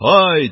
Һайт,